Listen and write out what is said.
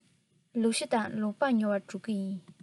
ལུག ཤ དང ལུག ལྤགས ཉོ བར འགྲོ གི ཡིན